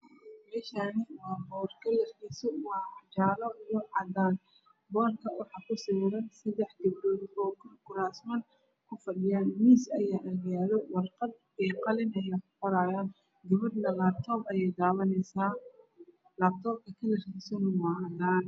Meeshaan waa boor kalarkiisu waa jaalo. Boorka waxaa kusawiran seddex gabdhood oo kuraasman kufadhiyaa miis ayaa agyaalo. Warqad iyo qalin ay wax kuqorahayaan. Gabarna laabtoob ayaa heysataa. Laabtoob kalarkiisu waa cadaan.